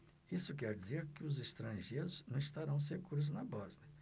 isso quer dizer que os estrangeiros não estarão seguros na bósnia